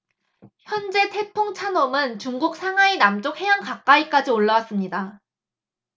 현재 태풍 찬홈은 중국 상하이 남쪽 해안 가까이 올라왔습니다